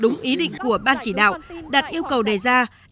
đúng ý định của ban chỉ đạo đạt yêu cầu đề ra